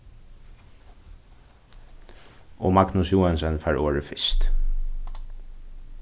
og magnus joensen fær orðið fyrst